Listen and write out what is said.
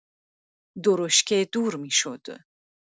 درشکه دور می‌شد.